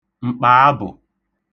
m̀kpàabụ̀